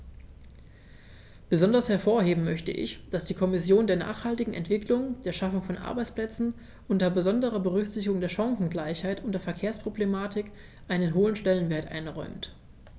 Besonders hervorheben möchte ich, dass die Kommission der nachhaltigen Entwicklung, der Schaffung von Arbeitsplätzen unter besonderer Berücksichtigung der Chancengleichheit und der Verkehrsproblematik einen hohen Stellenwert einräumt.